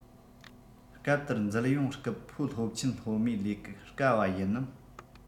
སྐབས དེར འཛུལ ཡོང སྐབས ཕོ སློབ ཆེན སློབ མའི ལས དཀའ བ ཡིན ནམ